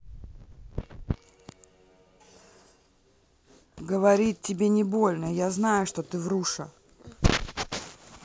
говорит тебе не больно я знаю что ты вруша